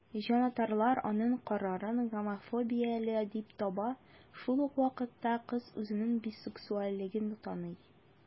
Җанатарлар аның карарын гомофобияле дип таба, шул ук вакытта кыз үзенең бисексуальлеген таный.